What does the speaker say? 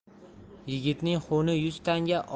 yigitning xuni yuz tanga